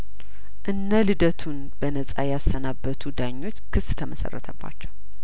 እነ ልደቱን በነጻ ያሰናበቱ ዳኞች ክስ ተመሰረተባቸው